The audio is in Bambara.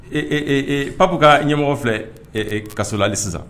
Ee pap ka ɲɛmɔgɔ filɛ kaso la hali sisan